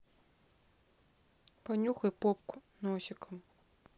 понюхай попку носиком